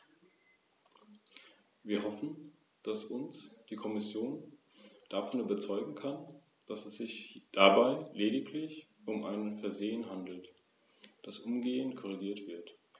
Gefordert werden deshalb auch die Erfassung dieser Aktivitäten in Form von Jahresberichten oder Betriebsanalysen und eventuell die Einbeziehung in die Zertifizierung nach ISO 9002.